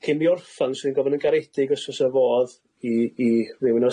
cyn 'mi orffan 'swn i'n gofyn yn garedig os fysa fodd i i rywun